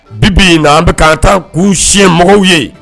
Bibi an bɛ ka ta k'u siɲɛmɔgɔw ye